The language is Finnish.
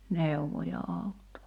neuvoi ja auttoi